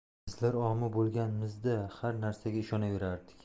bizlar omi bo'lganmiz da har narsaga ishonaverardik